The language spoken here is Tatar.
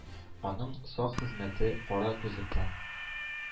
Аның сак хезмәте кара күзлектән,